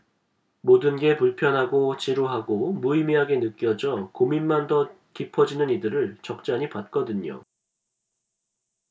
모든 게 불편하고 지루하고 무의미하게 느껴져 고민만 더 깊어지는 이들을 적잖이 봤거든요